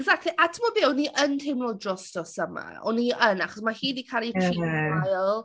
Exactly a tibod be o'n i yn teimlo drosto Summer. O'n i yn achos mae hi wedi cael ei... ie ...trin yn wael.